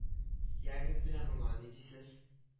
Ягез менә моңа ни дисез